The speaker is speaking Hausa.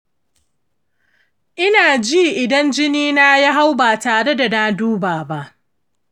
ina ji idan jini na ya hau ba tare da na duba ba.